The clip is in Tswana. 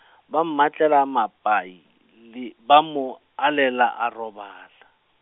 ba mmatlela mapai, le ba mo, alela a robala.